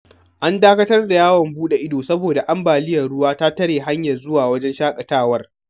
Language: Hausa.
An dakatar da yawon buɗe idon saboda ambaliyar ruwan ta tare hanyar zuwa wajen shaƙatawar.